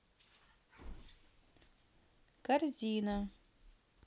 корзина